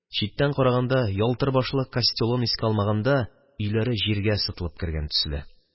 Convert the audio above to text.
Читтән караганда, ялтыр башлы костёлын искә алмаганда, өйләре җиргә сытылып кергән төсле.